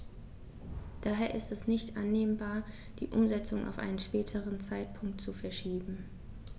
Daher ist es nicht annehmbar, die Umsetzung auf einen späteren Zeitpunkt zu verschieben.